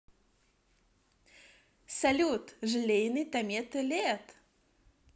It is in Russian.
салют желейный тамета лет